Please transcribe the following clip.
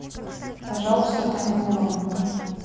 пожалуйста таня буланова